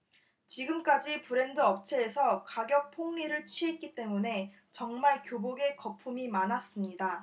지금까지 브랜드 업체에서 가격폭리를 취했기 때문에 정말 교복에 거품이 많았습니다